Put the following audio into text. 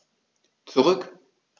Zurück.